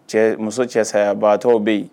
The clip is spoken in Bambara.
Cɛ muso cɛ saya ba tɔgɔ bɛ yen